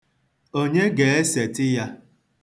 Onye ga-esetị ya?